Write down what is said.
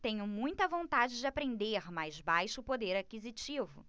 tenho muita vontade de aprender mas baixo poder aquisitivo